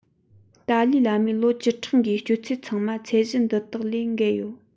ཏཱ ལའི བླ མའི ལོ བཅུ ཕྲག འགའི སྤྱོད ཚུལ ཚང མ ཚད གཞི འདི དག དང འགལ ཡོད